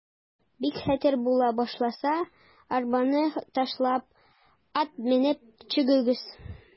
Бик хәтәр була башласа, арбаны ташлап, ат менеп качыгыз.